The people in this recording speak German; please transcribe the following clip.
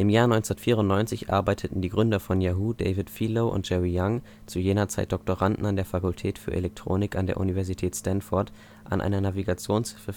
Jahr 1994 arbeiteten die Gründer von Yahoo, David Filo und Jerry Yang – zu jener Zeit Doktoranden an der Fakultät für Elektronik an der Universität Stanford – an einer Navigationshilfe